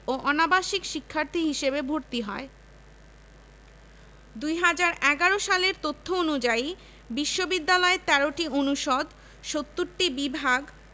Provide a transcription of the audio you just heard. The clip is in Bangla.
ও অনাবাসিক শিক্ষার্থী হিসেবে ভর্তি হয় ২০১১ সালের তথ্য অনুযায়ী বিশ্ববিদ্যালয়ে ১৩টি অনুষদ ৭০টি বিভাগ